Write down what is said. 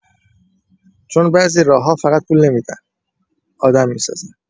چون بعضی راه‌ها فقط پول نمی‌دن، آدم می‌سازن.